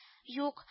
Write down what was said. — юк